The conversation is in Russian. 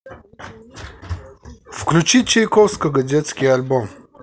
включи чайковский детский альбом